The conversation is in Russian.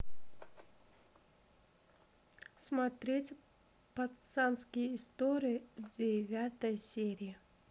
смотреть пацанские истории девятая серия